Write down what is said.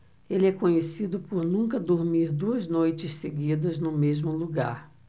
ele é conhecido por nunca dormir duas noites seguidas no mesmo lugar